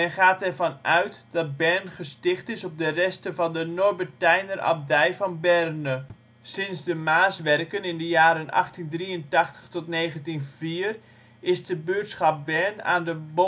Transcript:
gaat ervan uit dat Bern gesticht is op de resten van de norbertijner abdij van Berne. Sinds de Maaswerken in de jaren 1883 - 1904 is de buurtschap Bern aan de